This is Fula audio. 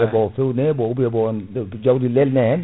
e ko fewne bon ou bien bon jawdi lelne hen